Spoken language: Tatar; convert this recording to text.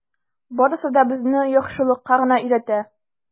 Барысы да безне яхшылыкка гына өйрәтә.